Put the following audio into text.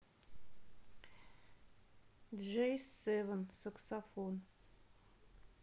джей севен саксофон